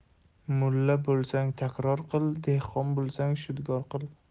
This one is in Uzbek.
mulla bo'lsang takror qil dehqon bo'lsang shudgor qil